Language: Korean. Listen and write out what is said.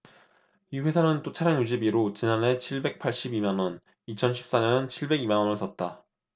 이 회사는 또 차량유지비로 지난해 칠백 팔십 이 만원 이천 십 사 년 칠백 이 만원을 썼다